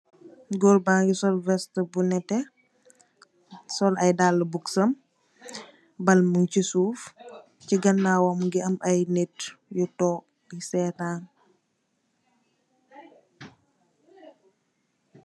Goor bangi sol vesta bu netex sol ay daali buds sam baal mung si suuf si kanawam mongi am ay nitt tog di setan